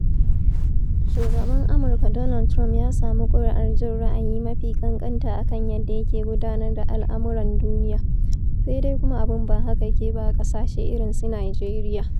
Shugaban Amurka Donald Trump ya samu ƙuri'ar jin ra'ayi mafi ƙanƙanta a kan yadda yake gudanar da al'amuran duniya, sai dai kuma abun ba haka yake ba a ƙasashe irinsu Nijeriya.